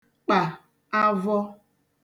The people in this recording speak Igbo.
kpà avọ̄